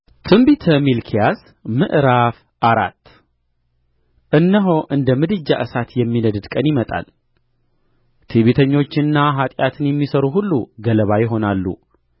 ትንቢተ ሚልክያ ምዕራፍ አራት እነሆ እንደ ምድጃ እሳት የሚነድድ ቀን ይመጣል ትዕቢተኞችና ኃጢአትን የሚሠሩ ሁሉ ገለባ ይሆናሉ